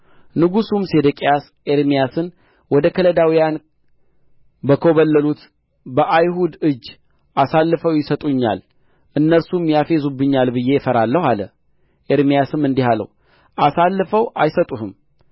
ንጉሡም ሴዴቅያስ ኤርምያስን ወደ ከለዳውያን በኰበለሉት በአይሁድ እጅ አሳልፈው ይሰጡኛል እነርሱም ያፌዙብኛል ብዬ እፈራለሁ አለው ኤርምያስም እንዲህ አለው አሳልፈው አይሰጡህም